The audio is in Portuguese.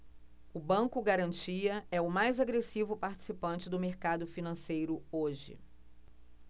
o banco garantia é o mais agressivo participante do mercado financeiro hoje